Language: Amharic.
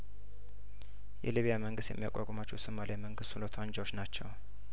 የሊቢያመንግስት የሚያቋቁማቸው የሶማሊያመንግስት ሁለቱ አንጃዎች ናቸው